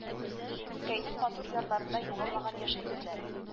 Димескәйнең матур ярларында югалмаган яшьлек эзләре